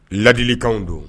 Ladilikanw don.